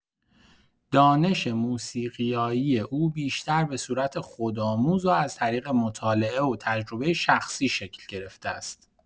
دانش موسیقایی او بیشتر به صورت خودآموز و از طریق مطالعه و تجربه شخصی شکل گرفته است.